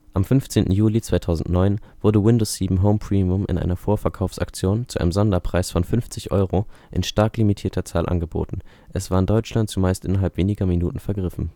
Am 15. Juli 2009 wurde Windows 7 Home Premium in einer Vorverkaufsaktion zu einem Sonderpreis von 50 Euro in stark limitierter Zahl angeboten, es war in Deutschland zumeist innerhalb weniger Minuten vergriffen